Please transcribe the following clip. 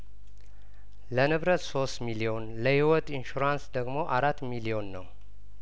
ለንብረት ሶስት ሚሊዮን ለህይወት ኢንሹራንስ ደግሞ አራት ሚሊዮን ነው